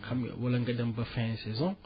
xam nga wala nga dem ba fin saison